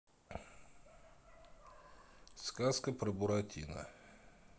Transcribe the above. сказка про буратино